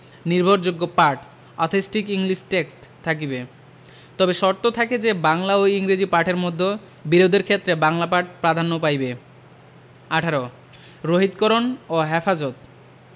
নির্ভরযোগ্য পাঠ authentic English text থাকিবে তবে শর্ত থাকে যে বাংলা ও ইংরেজী পাঠের মধ্যে বিরোধের ক্ষেত্রে বাংলা পাঠ প্রাধান্য পাইবে ১৮ রহিতকরণ ও হেফাজত